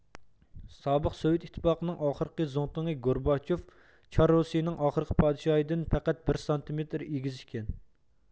سابىق سوۋېت ئىتتىپاقىنىڭ ئاخىرقى زۇڭتۇڭى گورباچېف چار رۇسىيىنىڭ ئاخىرقى پادىشاھىدىن پەقەت بىر سانتىمېتىر ئېگىز ئىكەن